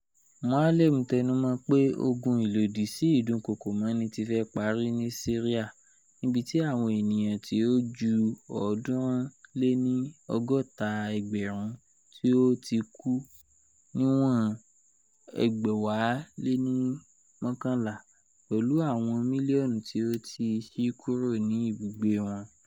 Moualem tẹnumọ pe "ogun ilodisi idunkoko mọni ti fẹ pari" ni Siria, nibiti awọn eniyan ti o ju 360,000 ti o ti kú niwon 2011, pẹlu awọn milionu ti o ti ṣi kúrò ni ibugbe wọn.